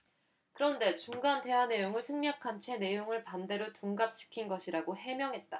그런데 중간 대화 내용을 생략한 채 내용을 반대로 둔갑시킨 것이라고 해명했다